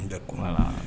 N tɛ kuma la